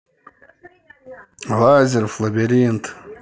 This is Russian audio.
лазарев лабиринт